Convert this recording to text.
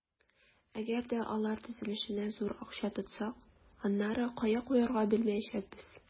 Әгәр дә алар төзелешенә зур акча тотсак, аннары кая куярга белмәячәкбез.